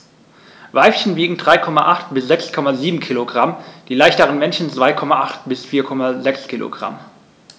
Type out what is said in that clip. Weibchen wiegen 3,8 bis 6,7 kg, die leichteren Männchen 2,8 bis 4,6 kg.